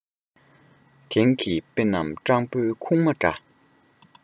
དེང གི དཔེ རྣམས སྤྲང བོའི ཁུག མ འདྲ